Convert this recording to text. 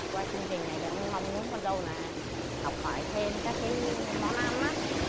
qua chương trình này thì cũng mong muốn con dâu là học hỏi thêm các cái món ăn á